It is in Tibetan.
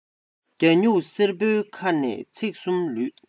རྒྱ སྨྱུག གསེར པོའི ཁ ནས ཚིག གསུམ ལུས